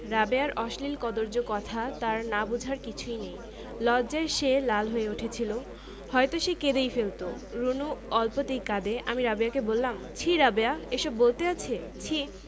রাবেয়ার অশ্লীল কদৰ্য কথা তার না বুঝার কিছুই নেই লজ্জায় সে লাল হয়ে উঠেছিলো হয়তো সে কেঁদেই ফেলতো রুনু অল্পতেই কাঁদে আমি রাবেয়াকে বললাম ছিঃ রাবেয়া এসব বলতে আছে ছি